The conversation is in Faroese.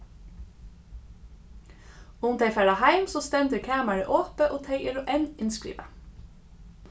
um tey fara heim so stendur kamarið opið og tey eru enn innskrivað